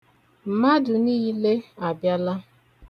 Mmadụ niile abịala.